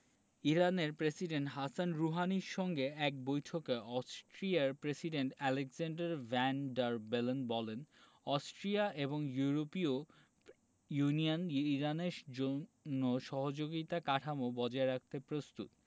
ইরানের president Hassan রুহানির সঙ্গে এক বৈঠকে অস্ট্রিয়ার president Alexander van der Bellen বলেন অস্ট্রিয়া এবং ইউরোপীয় ইউনিয়ন ইরানের জন্য সহযোগিতা কাঠামো বজায় রাখতে প্রস্তুত